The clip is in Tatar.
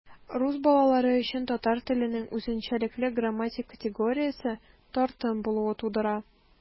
Рус балалары өчен татар теленең үзенчәлекле грамматик категориясе - тартым булуы тудыра.